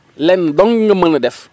lenn dong nga mën a def